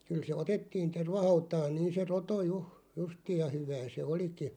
kyllä se otettiin tervahautaan niin se roto - justiin ja hyvää se olikin